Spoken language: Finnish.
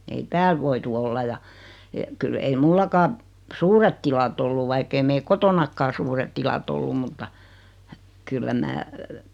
ei täällä voitu olla ja - kyllä ei minullakaan suuret tilat ollut vaikka ei meillä kotonakaan suuret tilat ollut mutta kyllä minä